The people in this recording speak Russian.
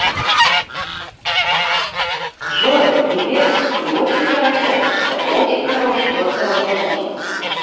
джой привет ты очень хорошо это очень хороший голосовой помощник